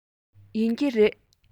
ཡིན གྱི རེད